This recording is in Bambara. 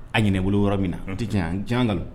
A ɲana i bolo yɔrɔ min na. Un. O tɛ tiɲɛ ye wa? Tiɲɛ wa nkalon?